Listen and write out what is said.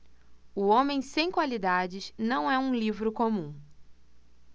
o homem sem qualidades não é um livro comum